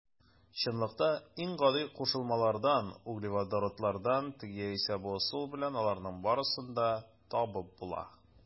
Чынлыкта иң гади кушылмалардан - углеводородлардан теге яисә бу ысул белән аларның барысын да табып була.